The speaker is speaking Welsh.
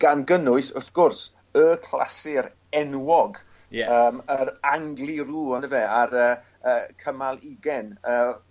Gan gynnwys wrth gwrs y clasur enwog... Ie. ...yym yr Angliru on'd yfe ar y yy cymal ugen yy